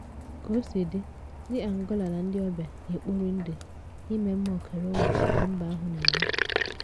Ka o si di, ndị Angola na ndị ọbịa n'ekpori ndị n'ime mma okereụwa nke mba ahụ na-enye.